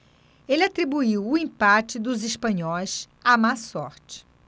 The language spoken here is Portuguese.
ele atribuiu o empate dos espanhóis à má sorte